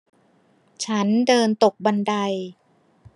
ฉันเดินตกบันได